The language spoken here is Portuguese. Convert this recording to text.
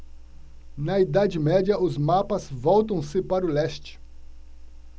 na idade média os mapas voltam-se para o leste